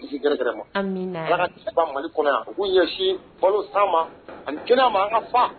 Kisi gɛrɛgɛrɛ ma, amina, Mali kɔnɔ yan u k'u ɲɛsin balosan ma ani kɛnɛ ma an ka fa